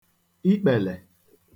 ikpèlè